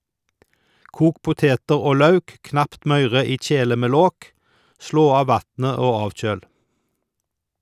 Kok poteter og lauk knapt møyre i kjele med lokk , slå av vatnet og avkjøl.